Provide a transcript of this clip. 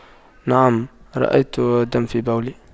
نعم رأيت دم في بولي